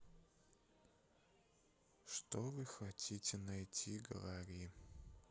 что вы хотите найти говори